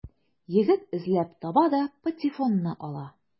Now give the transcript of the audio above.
Егет эзләп таба да патефонны ала.